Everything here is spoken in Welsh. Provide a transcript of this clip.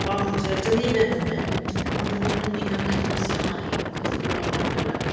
Ond, yy, 'dyn ni ddim yn mynd. Ond dan ni'n mynd i gyngerdd nos Iau, wyt ti'n gwybod beth yw e?